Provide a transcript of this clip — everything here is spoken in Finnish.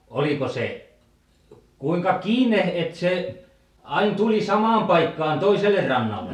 oliko se kuinka kiinni että se aina tuli samaan paikkaan toiselle rannalle